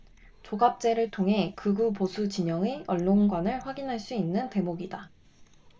조갑제를 통해 극우보수진영의 언론관을 확인할 수 있는 대목이다